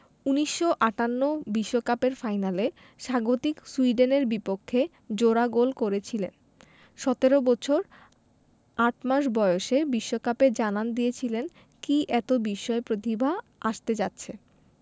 ১৯৫৮ বিশ্বকাপের ফাইনালে স্বাগতিক সুইডেনের বিপক্ষে জোড়া গোল করেছিলেন ১৭ বছর ৮ মাস বয়সে বিশ্বকাপে জানান দিয়েছিলেন কী এত বিস্ময় প্রতিভা আসতে যাচ্ছে